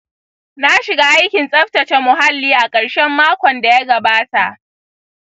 na shiga aikin tsaftace muhalli a ƙarshen makon da ya gabata.